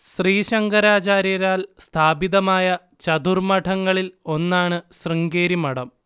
ശ്രീ ശങ്കരാചാര്യരാൽ സ്ഥാപിതമായ ചതുർമ്മഠങ്ങളിൽ ഒന്നാണു ശൃംഗേരി മഠം